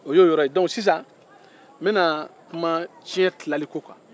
o y'o yɔrɔ ye donc sisan n bɛna kuma tiɲɛ tilali ko kan